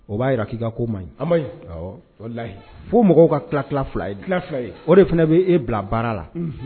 O b'a jira k'i ka ko maɲi, A maɲi, awɔ, walayi, fɔ mɔgɔw ka tila tila fila ye, tila fila ye o de fana bɛ e bila baara la.